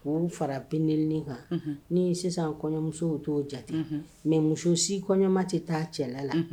Wu fara binen kan ni sisan kɔɲɔmuso t'o jate mɛ muso si kɔɲɔma tɛ taa cɛla la